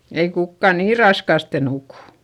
ei kukaan niin raskaasti nuku